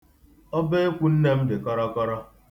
Ọbaekwu nne m dị kọrọkọrọ.